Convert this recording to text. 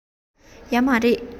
ཡོད མ རེད